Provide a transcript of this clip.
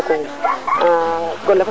i manam ana jirñang daal